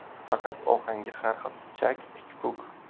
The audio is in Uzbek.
faqat ohangi har xil chak tikpuk